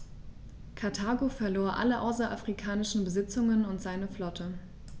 Karthago verlor alle außerafrikanischen Besitzungen und seine Flotte.